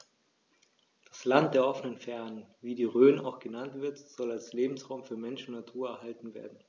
Das „Land der offenen Fernen“, wie die Rhön auch genannt wird, soll als Lebensraum für Mensch und Natur erhalten werden.